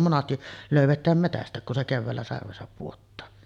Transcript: monesti löydetään metsästäkin kun se keväällä sarvensa pudottaa